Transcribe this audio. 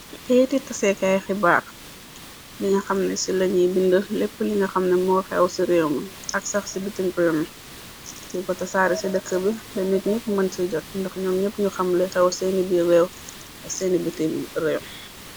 Keyti taseekaay xibaax linga xamne ci lañuy bindr lépp linga xamna moo xew ci réew ma ak sax ci bitimpryon yi ko ta saari ci dëkk bi bennit ñepp mën ci jot ndax ñoom ñepp ñu xamli xew seeni bi réew ak seeni bitim réew.